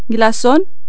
كلاصون